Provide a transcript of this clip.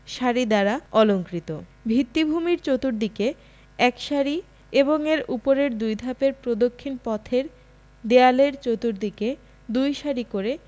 সারি দ্বারা অলঙ্কৃত ভিত্তিভূমির চতুর্দিকে এক সারি এবং উপরের দুই ধাপের প্রদক্ষিণ পথের দেয়ালের চতুর্দিকে দুই সারি করে